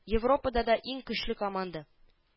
Европада да иң көчле команда